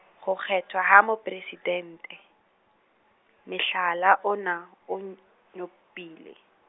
ho kgethwa ha moporesidente, mehlala ona o n- nyopile.